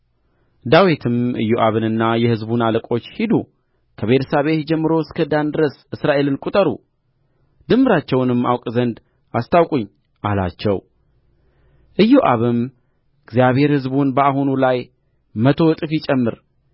ዳዊትም ኢዮአብንና የሕዝቡን አለቆች ሂዱ ከቤርሳቤህ ጀምሮ እስከ ዳን ድረስ እስራኤልን ቍጠሩ ድምራቸውንም አውቅ ዘንድ አስታውቁኝ አላቸው ኢዮአብም እግዚአብሔር ሕዝቡን በአሁኑ ላይ መቶ እጥፍ ይጨምር